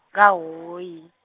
KaHhoyi.